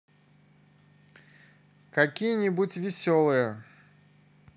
какие нибудь веселые